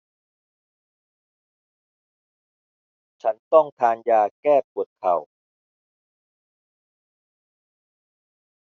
ฉันต้องทานยาแก้ปวดเข่า